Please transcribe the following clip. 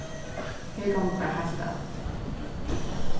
her gongur bara heilt væl